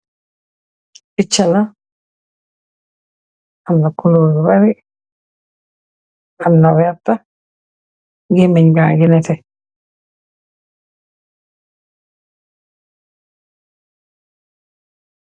Picha la amna coloor yu bary , amna werta gemeun bage nete.